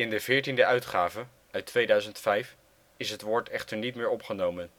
de veertiende uitgave, uit 2005, is het woord echter niet meer opgenomen